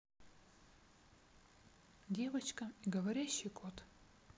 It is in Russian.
девочка и говорящий кот